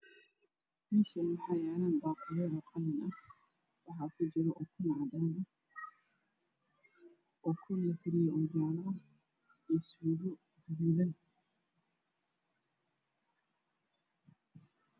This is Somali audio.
Meeshaan waxaa yaalo baakado qalin ah waxaa kujiro ukun cadaan ah iyo ukun lakariyey oo jaalo ah iyo suugo gaduudan.